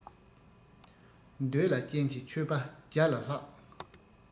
འདོད ལ ཅན གྱི ཆོས པ བརྒྱ ལ ལྷག